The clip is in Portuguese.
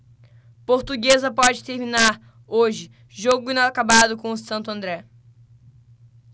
portuguesa pode terminar hoje jogo inacabado com o santo andré